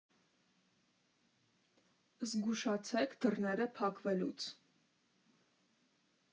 Զգուշացեք դռները փակվելուց։